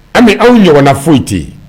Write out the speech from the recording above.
An bɛ aw ɲɔgɔn na foyi ten